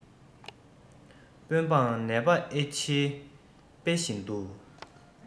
དཔོན འབངས ནད པ ཨེམ ཆིའི དཔེ བཞིན དུ